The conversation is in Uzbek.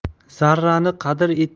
zarrani qadr etmagan